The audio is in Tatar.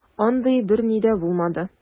Андый берни дә булмады.